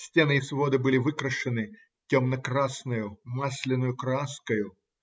стены и своды были выкрашены темно-красною масляною краскою